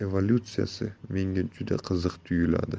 evolyutsiyasi menga juda qiziq tuyuladi